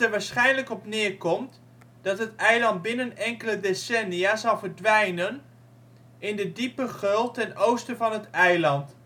waarschijnlijk op neer komt dat het eiland binnen enkele decennia zal verdwijnen in de diepe geul ten oosten van het eiland